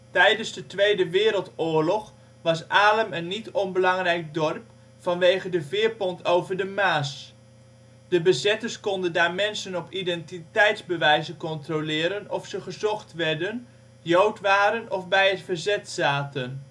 Tijdens de Tweede Wereldoorlog was Alem een niet onbelangrijk dorp, vanwege de veerpont over de Maas. De bezetters konden daar mensen op identiteitsbewijzen controleren of ze gezocht werden, Jood waren of bij het verzet zaten